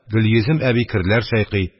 Гөлйөзем әби керләр чайкый